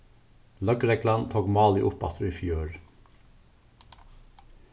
løgreglan tók málið upp aftur í fjør